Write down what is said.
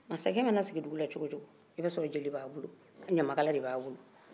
masakɛ mana sigi dugu la cogo o cogo i b'a sɔrɔ jeli b'a bolo ɲamakala de b'a bolo